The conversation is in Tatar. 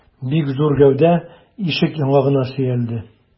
Бик зур гәүдә ишек яңагына сөялде.